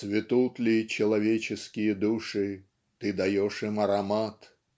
"Цветут ли человеческие души, - ты даешь им аромат